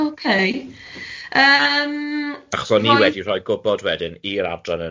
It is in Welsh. Ok yym achos o'n i wedi rhoi gwbod wedyn i'r adran yne